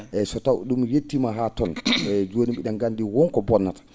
eeyi so taw ?um yettiima haa toon eeyi jooni mbi?en ganndi won ko bonnata